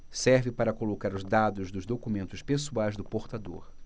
serve para colocar os dados dos documentos pessoais do portador